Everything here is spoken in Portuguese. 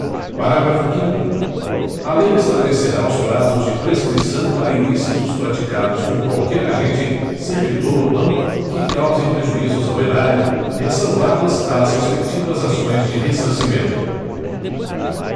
parágrafo quinto a lei estabelecerá os prazos de prescrição para ilícitos praticados por qualquer agente servidor ou não que causem prejuízos ao erário ressalvadas as respectivas ações de ressarcimento